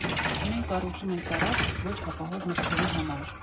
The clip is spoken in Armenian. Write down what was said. Մենք կառուցում ենք տարածք ոչ ապահով մտքերի համար»։